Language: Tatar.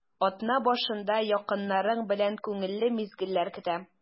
Атна башында якыннарың белән күңелле мизгелләр көтә.